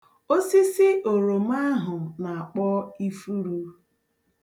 Osisi oroma ahụ na-akpọ ifuru.